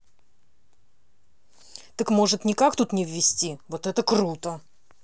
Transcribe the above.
так может никак тут не вести вот это круто